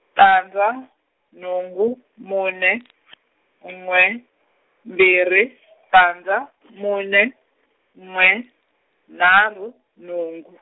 tandza nhungu mune , n'we mbirhi , tandza mune n'we nharhu nhungu.